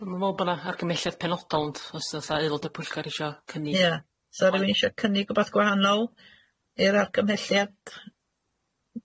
Dwi'm yn me'wl bo' 'na argymhelliad penodol ond os 'di fatha aelod o'r pwyllgor isio cynni-... Ie 's'a rywun isio cynnig rwbath gwahanol, i'r argymhelliad?